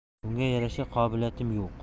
bunga yarasha qobiliyatim yo'q